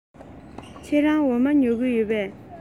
ཁྱེད རང འོ མ ཉོ གི ཡོད པས